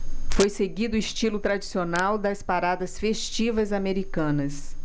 foi seguido o estilo tradicional das paradas festivas americanas